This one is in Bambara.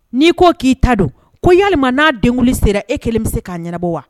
N'i ko k'i ta don, ko walima n'a denkundi sera, e kelen bɛ se k'a ɲɛnabɔ wa?